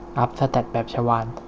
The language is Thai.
อัพแสตทแบบชวาล